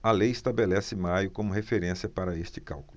a lei estabelece maio como referência para este cálculo